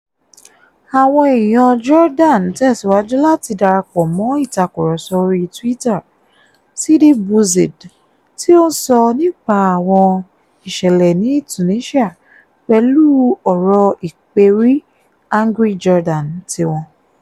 Àwọn èèyàn Jordan tẹ̀síwájú láti darapọ̀ mọ́ ìtàkúrọ̀sọ̀ orí Twitter #sidibouzid (tí ó ń sọ nípa àwọn ìṣẹ̀lẹ̀ ní Tunisia), pẹ̀lú ọ̀rọ̀ ìpèrí #angryjordan tiwọn.